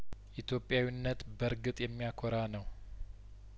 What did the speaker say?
ኢትዮጵያዊነት በእርግጥ የሚያኮራ ነው